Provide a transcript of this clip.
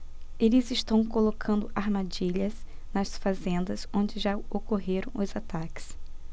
eles estão colocando armadilhas nas fazendas onde já ocorreram os ataques